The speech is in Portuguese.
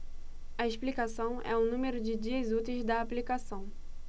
a explicação é o número de dias úteis da aplicação